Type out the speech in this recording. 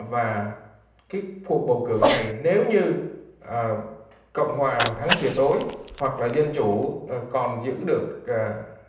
và cái cuộc bầu cử này nếu như ờ cộng hòa mà thắng tuyệt đối hoặc là dân chủ còn giữ được à